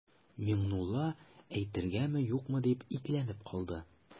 Миңнулла әйтергәме-юкмы дип икеләнеп калды.